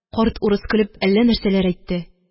Карт урыс көлеп әллә нәрсәләр әйтте.